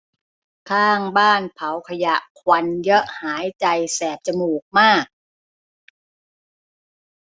ข้างบ้านเผาขยะควันเยอะหายใจแสบจมูกมาก